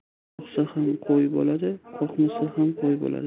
qo'rqsa ham qo'y o'ladi qo'rqmasa ham qo'y o'ladi